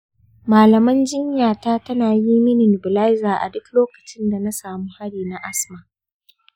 malaman jinya tana yi mini nebulizer a duk lokacin da na samu hari na asma.